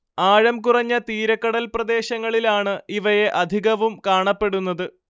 ആഴം കുറഞ്ഞ തീരക്കടൽ പ്രദേശങ്ങളിലാണ് ഇവയെ അധികവും കാണപ്പെടുന്നത്